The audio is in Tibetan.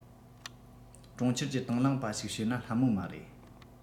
གྲོང ཁྱེར གྱི དང བླངས པ ཞིག བྱེད ན སླ མོ མ རེད